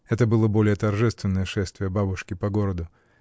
Это было более торжественное шествие бабушки по городу.